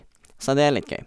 Så det er litt gøy.